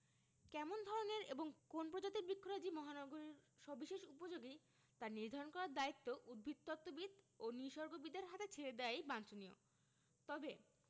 কেমন ধরনের এবং কোন্ প্রজাতির বৃক্ষরাজি মহানগরীর সবিশেষ উপযোগী তা নির্ধারণ করার দায়িত্ব উদ্ভিদতত্ত্ববিদ ও নিসর্গবিদদের হাতে ছেড়ে দেয়াই বাঞ্ছনীয় তবে